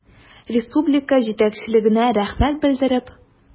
Республика җитәкчелегенә рәхмәт белдереп.